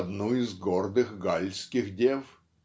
"одну из гордых галльских дев".